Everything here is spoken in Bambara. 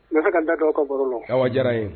Ne ka dakaw ka baro la aw diyara ye